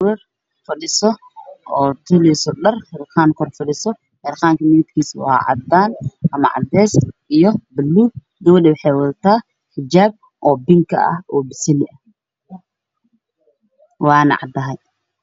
Waa gabar fadhiso oo harqaan fadhiso oo dhar tuleyso midabkiisu waa cadaan iyo cadeys, buluug, gabadhu waxay wadataa xijaab bingi ah iyo basali waana cadahay.